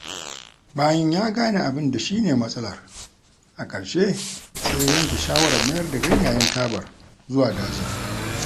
Bayan ya gane abin da shi ne matsalar, a ƙarshe sai ya yanke shawarar mayar da ganyayen tabar zuwa dajin.